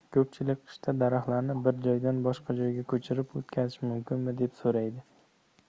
ko'pchilik qishda daraxtlarni bir joydan boshqa joyga ko'chirib o'tkazish mumkinmi deb so'raydi